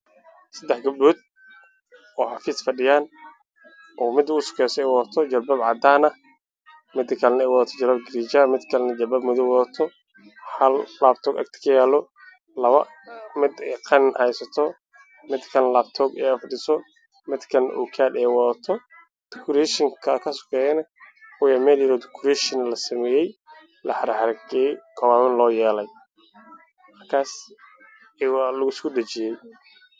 Waa sawir xayeysiis waxaa ii muuqda labo gabar oo haysta laabtoob oo fadhiya